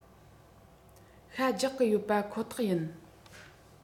ཤ རྒྱག གི ཡོད པ ཁོ ཐག ཡིན